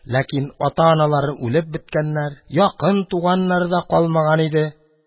Ләкин ата-аналары үлеп беткәннәр, якын туганнары да калмаган иде.